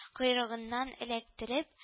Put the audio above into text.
Койрыгыннан эләктереп